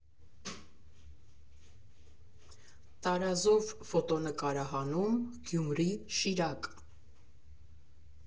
Տարազով ֆոտոնկարահանում, Գյումրի, Շիրակ։